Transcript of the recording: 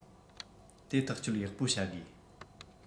དེ ཐག གཅོད ཡག པོ བྱ དགོས